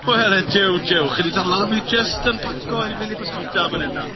Wel y jiw jiw. Chi 'di dala fi jyst yn paco i fynd i bysgota yn fan hyn nawr.